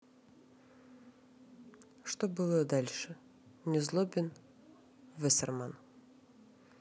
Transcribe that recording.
что было дальше незлобин вассерман